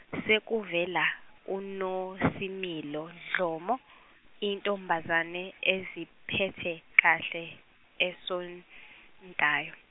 sekuvela unoSimilo Dhlomo, intombazane eziphethe kahle esontayo.